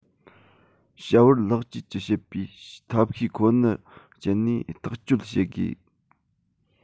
བྱ བར ལེགས བཅོས ཀྱི བྱེད པའི ཐབས ཤེས ཁོ ན སྤྱད ནས ཐག གཅོད བྱེད དགོས